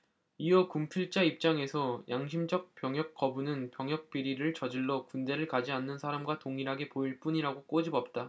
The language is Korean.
이어 군필자 입장에서 양심적 병역거부는 병역비리를 저질러 군대를 가지 않은 사람과 동일하게 보일 뿐이라고 꼬집었다